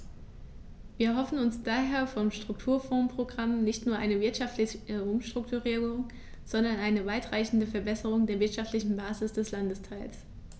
Wir erhoffen uns daher vom Strukturfondsprogramm nicht nur eine wirtschaftliche Umstrukturierung, sondern eine weitreichendere Verbesserung der wirtschaftlichen Basis des Landesteils.